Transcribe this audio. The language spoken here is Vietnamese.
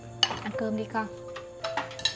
ăn cơm đi con